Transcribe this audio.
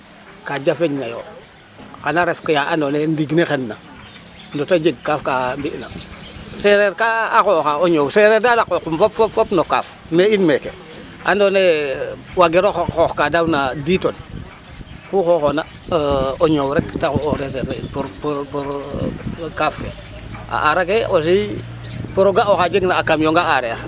Ka jafeñna yo xan a ref ka andoona yee ndiig ne xenna mbit o jeg kaaf ka mbi'na seereer ka xooxaa o ñoow seereer daal a qooqum fop fop no kaaf no in weeke andoona yee waagiro xoox, xoox ka daawna 10 tonnes ku xooxoona o ñoow rek taxu o reserver in pour kaaf ke a aar ake aussi.